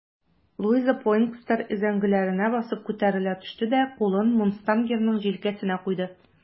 Луиза Пойндекстер өзәңгеләренә басып күтәрелә төште дә кулын мустангерның җилкәсенә куйды.